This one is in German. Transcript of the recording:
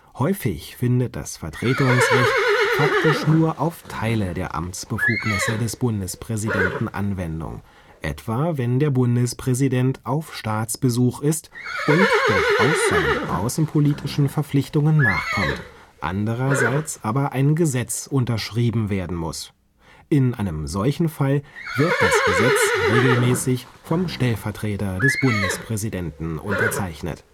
Häufig findet das Vertretungsrecht faktisch nur auf Teile der Amtsbefugnisse des Bundespräsidenten Anwendung, etwa wenn der Bundespräsident auf Staatsbesuch ist und durchaus seinen (außenpolitischen) Verpflichtungen nachkommt, andererseits aber ein Gesetz unterschrieben werden muss. In einem solchen Fall wird das Gesetz regelmäßig vom Stellvertreter des Bundespräsidenten unterzeichnet